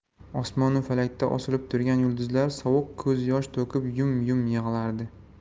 osmon u falakda osilib turgan yulduzlar sovuq ko'z yosh to'kib yum yum yiglardi